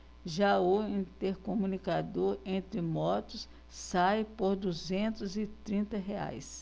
já o intercomunicador entre motos sai por duzentos e trinta reais